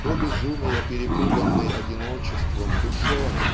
до безумия перепуганной одиночеством" душе